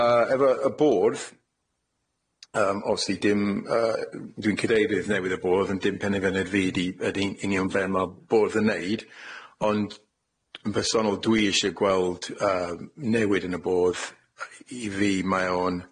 Yy efo y bwrdd yym obviously dim yy dwi'n cadeirydd newydd y bwrdd ond dim penderfyniad fi 'di ydi union fel ma'r bwrdd yn 'neud ond yn personol dwi isie gweld yy newid yn y bwrdd, i fi mae o'n